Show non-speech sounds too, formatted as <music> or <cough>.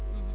<hesitation> <hesitation>